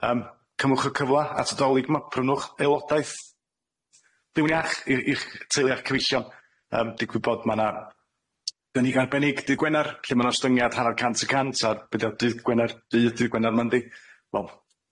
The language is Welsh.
yym cymwch y cyfla at y Dolig ma' prynwch aelodaeth Byw'n Iach i'r i'ch teulu a'ch cyfeillion yym digwy bod ma' 'na gynnig arbennig dydd Gwener lle ma' 'na ostyngiad hanner cant y cant a be' 'di o dydd Gwener dydd dydd Gwener 'ma yndi?